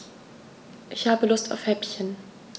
Ich habe Lust auf Häppchen.